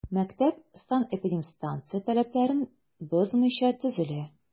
Мәктәп санэпидстанция таләпләрен бозмыйча төзелә.